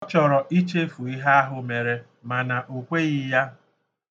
Ọ chọrọ ichefu ihe ahụ mere mana o kweghị ya